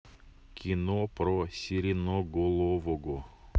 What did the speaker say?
кино про сиреноголового